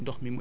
dëgg la